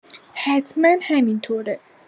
حتما همینطوره.